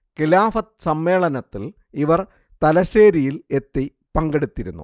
ഖിലാഫത്ത് സമ്മേളനത്തിൽ ഇവർ തലശ്ശേരിയിൽ എത്തി പങ്കെടുത്തിരുന്നു